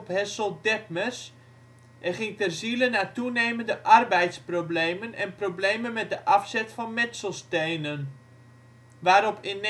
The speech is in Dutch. Hessel Dethmers en ging ter ziele na toenemende arbeidsproblemen en problemen met de afzet van metselstenen, waarop in